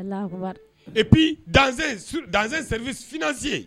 Dan sinsi ye